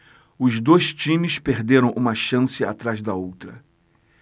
os dois times perderam uma chance atrás da outra